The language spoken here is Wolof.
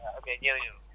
waa ok jërëjëf